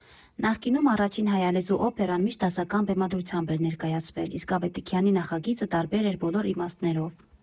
Նախկինում առաջին հայալեզու օպերան միշտ դասական բեմադրությամբ էր ներկայացվել, իսկ Ավետիքյանի նախագիծը տարբեր էր բոլոր իմաստներով.